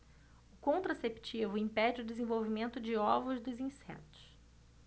o contraceptivo impede o desenvolvimento de ovos dos insetos